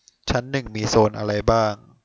ชั้นหนึ่งมีโซนอะไรบ้าง